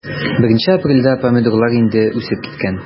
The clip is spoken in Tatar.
1 апрельдә помидорлар инде үсеп киткән.